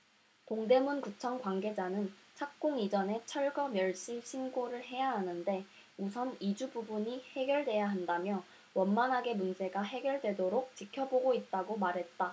동대문구청 관계자는 착공 이전에 철거 멸실 신고를 해야 하는데 우선 이주 부분이 해결돼야 한다며 원만하게 문제가 해결되도록 지켜보고 있다고 말했다